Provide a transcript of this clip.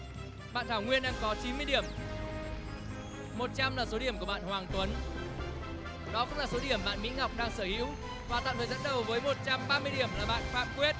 bạn thảo nguyên đang có chín mươi điểm một trăm là số điểm của bạn hoàng tuấn đó cũng là số điểm bạn mỹ ngọc đang sở hữu và tạm thời dẫn đầu với một trăm ba mươi điểm là bạn phạm quyết